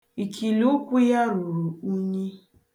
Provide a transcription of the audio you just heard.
Ikiliụkwụ ya ruru unyi.